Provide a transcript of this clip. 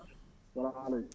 salamu aleykum